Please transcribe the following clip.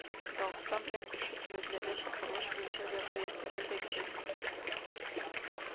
Дагыстан белән күрше төбәкләрдә чакырылыш буенча вәзгыять түбәндәгечә